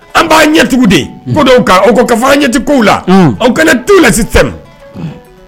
An b'a ɲɛcogo de ko dɔw u ka fɔ an ɲɛti ko la aw kɛlen t tuu lasesi tɛ